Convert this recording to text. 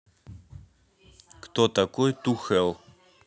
кто такой to hell